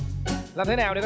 làm thế nào để